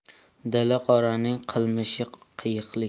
dili qoraning qilmishi qiyiqlik